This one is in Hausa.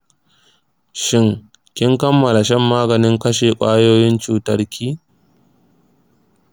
shin kin kammala shan maganin kashe kwayoyin cutar ki?